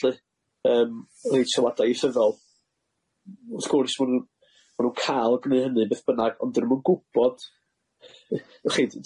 lly yym reit sylwada ieithyddol w'th gwrs ma' nw ma' nw ca'l gneud hynny beth bynnag ond dyn nw'm yn gwbod y'chi?